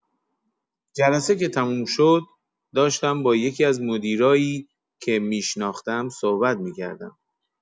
جلسه که تموم شد، داشتم با یکی‌از مدیرایی که می‌شناختم صحبت می‌کردم.